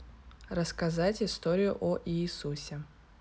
рассказать историю о иисусе